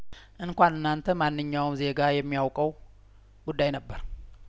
እንኳን እናንተ ማንኛውም ዜጋ የሚያውቀው ጉዳይ ነበር